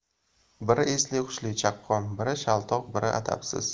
biri esli hushli chaqqon biri shaltoq biri adabsiz